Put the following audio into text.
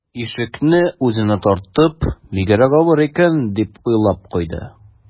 Ишекне үзенә тартып: «Бигрәк авыр икән...», - дип уйлап куйды